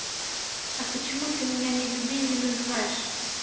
а почему ты меня не люби не называешь